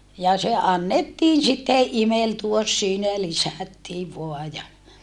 ja se annettiin sitten imeltyä siinä ja lisättiin vain ja